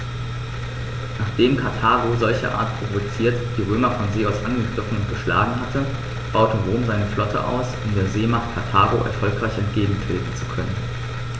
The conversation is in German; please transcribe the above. Nachdem Karthago, solcherart provoziert, die Römer von See aus angegriffen und geschlagen hatte, baute Rom seine Flotte aus, um der Seemacht Karthago erfolgreich entgegentreten zu können.